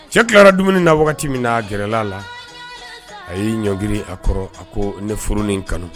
Cɛ tilara dumuni na wagati min na gɛrɛla la a y'i ɲɔg a kɔrɔ a koforonen kanu